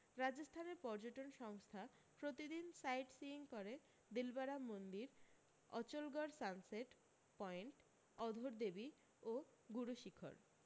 রাজস্থানের পর্যটন সংস্থা প্রতিদিন সাইট সিয়ীং করে দিলবারা মন্দির অচলগড় সানসেট পয়েন্ট অধর দেবী ও গুরু সিখর